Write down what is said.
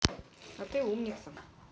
а ты умница